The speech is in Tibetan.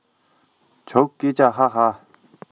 ཁྱོད ཀྱི སྐད ཆ ཧ ཧ